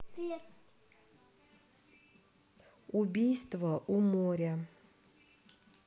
убийство у моря